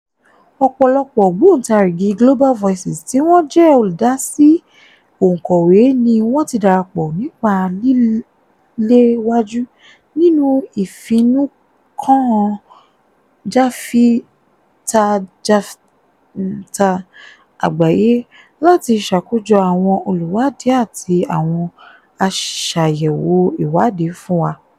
Ọ̀pọ̀lọpọ̀ ògbóntàrigì Global Voices tí wọ́n jẹ́ olùdásí ọ̀ǹkọ̀wé ní wọ́n ti darapọ̀ nípa líléwájú nínu ìfinúkan jàfitafita àgbáyé láti ṣåkójọ àwọn olùwádìí àti àwọn aṣàyẹ̀wò ìwádìí fún wa.